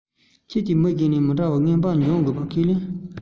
ཁྱོད ཀྱིས མི གཞན ལས མི འདྲ བའི དངོས པོ འཛོམས དགོས པ ཁས ལེན ཡིན